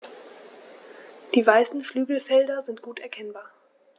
Die weißen Flügelfelder sind gut erkennbar.